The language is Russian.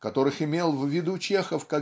которых имел в виду Чехов